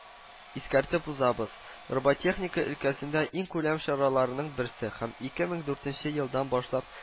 Искәртеп узабыз, роботехника өлкәсендә иң күләмле чараларның берсе һәм ике мең дуртенче елдан башлап